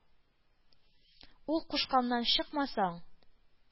Ул кушканнан чыкмасаң,